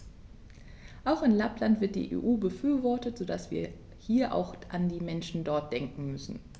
Auch in Lappland wird die EU befürwortet, so dass wir hier auch an die Menschen dort denken müssen.